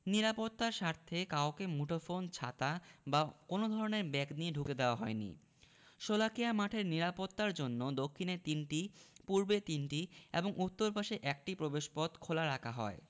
নিরাপত্তার স্বার্থে কাউকে মুঠোফোন ছাতা বা কোনো ধরনের ব্যাগ নিয়ে ঢুকতে দেওয়া হয়নি শোলাকিয়া মাঠের নিরাপত্তার জন্য দক্ষিণে তিনটি পূর্বে তিনটি এবং উত্তর পাশে একটি প্রবেশপথ খোলা রাখা হয়